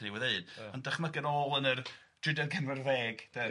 ... yn dychmygu yn ôl yn yr drydedd cymhar ddeg de